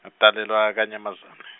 ngatalelwa Kanyamazane.